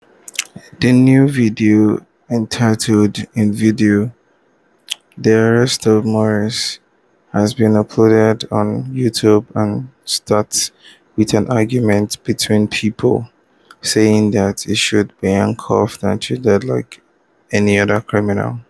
The new video, entitled “In Video, the Arrest of Morsi”, has been uploaded on YouTube and starts with an argument between people [ar] saying that “he” should be handcuffed and “treated like any other criminal.”